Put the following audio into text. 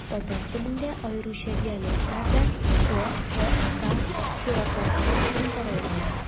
Татар телендә, аеруча диалектларда, г-х-к чиратлашуы киң таралган.